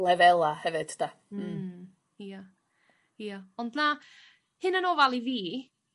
lefela' hefyd da? Hmm. Ia ia ond ma' hunanofal i fi